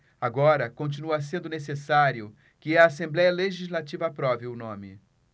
agora continua sendo necessário que a assembléia legislativa aprove o nome